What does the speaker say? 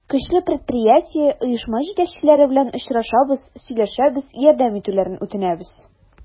Көчле предприятие, оешма җитәкчеләре белән очрашабыз, сөйләшәбез, ярдәм итүләрен үтенәбез.